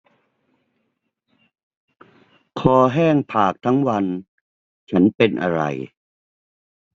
คอแห้งผากทั้งวันฉันเป็นอะไร